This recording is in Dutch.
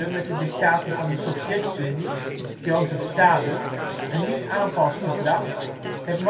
met de dictator van de Sovjet-Unie, Jozef Stalin, een niet-aanvalsverdrag: het Molotov-Ribbentroppact